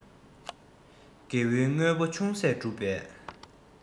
དགེ བའི དངོས པོ ཅུང ཟད སྒྲུབ པ